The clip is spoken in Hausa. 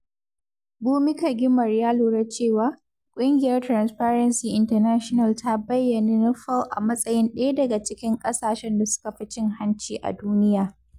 Bhumika Ghimire ya lura cewa, Ƙungiyar 'Transparency International' ta bayyana Napel a matsayin ɗaya daga cikin ƙasashen da suka fi cin-hanci a duniya.